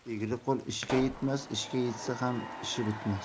egri qo'l ishga yetmas ishga yetsa ham ishi bitmas